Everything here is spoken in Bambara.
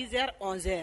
10 heures-11 heures